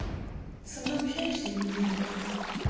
ты со мной общаешься или нет